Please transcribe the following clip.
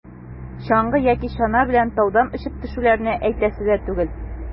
Чаңгы яки чана белән таудан очып төшүләрне әйтәсе дә түгел.